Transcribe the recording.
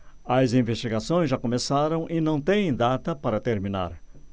as investigações já começaram e não têm data para terminar